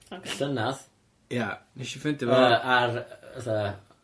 Ocê. Llynadd. Ie nesh i ffeindio fo... Yy ar fatha...